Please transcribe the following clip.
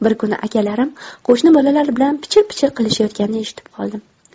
bir kuni akalarim qo'shni bolalar bilan pichir pichir qilishayotganini eshitib qoldim